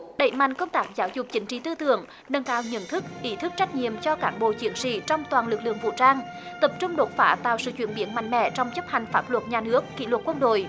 đẩy mạnh công tác giáo dục chính trị tư tưởng nâng cao nhận thức ý thức trách nhiệm cho cán bộ chiến sĩ trong toàn lực lượng vũ trang tập trung đột phá tạo sự chuyển biến mạnh mẽ trong chấp hành pháp luật nhà nước kỷ luật quân đội